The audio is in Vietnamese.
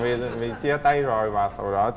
vì là vì chia tay rồi thì hồi đó